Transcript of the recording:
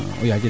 nduunja rek